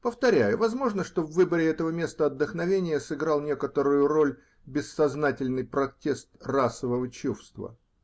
Повторяю, возможно, что в выборе этого места отдохновения сыграл некоторую роль бессознательный протест расового чувства.